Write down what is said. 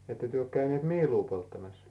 ette te ole käyneet miilua polttamassa